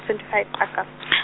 twenty five agasti .